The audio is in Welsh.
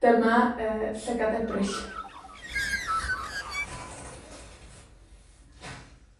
Dyma, yy, Llygad Ebrill.